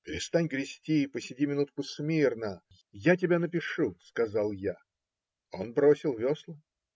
- Перестань грести, посиди минутку смирно, я тебя напишу, - сказал я. Он бросил весла.